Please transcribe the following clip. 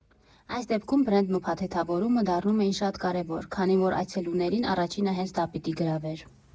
Այս դեպքում բրենդն ու փաթեթավորումը դառնում էին շատ կարևոր, քանի որ այցելուներին առաջինը հենց դա պիտի գրավեր։